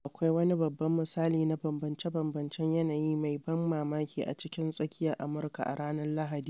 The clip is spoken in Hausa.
Akwai wani babban misali na bambance-bambancen yanayi mai ban mamaki ta cikin tsakiyar Amurka a ranar Lahadi.